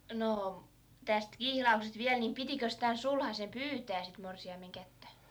no tästä kihlauksesta vielä niin pitikös tämän sulhasen pyytää sitten morsiamen kättä